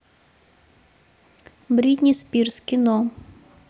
бритни спирс кино